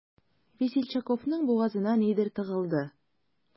Весельчаковның бугазына нидер тыгылды.